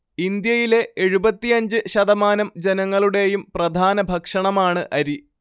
ഇന്ത്യയിലെ എഴുപത്തിയഞ്ച് ശതമാനം ജനങ്ങളുടേയും പ്രധാന ഭക്ഷണമാണ്‌ അരി